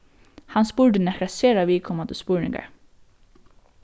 hann spurdi nakrar sera viðkomandi spurningar